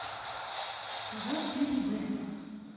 поет юрий bad